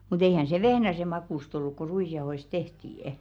mutta eihän se vehnäsen makuista ollut kun ruisjauhoista tehtiin